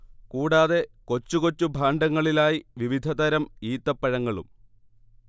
കൂടാതെ കൊച്ചു കൊച്ചു ഭാണ്ഡങ്ങളിലായി വിവിധതരം ഈത്തപ്പഴങ്ങളും